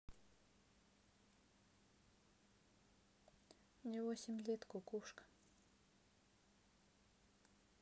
мне восемь лет кукушка